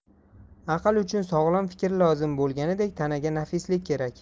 aql uchun sog'lom fikr lozim bo'lganidek tanaga nafislik kerak